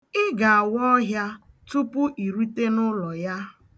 Ị ga-awa ọhịa tupu irute n'ụlọ ya.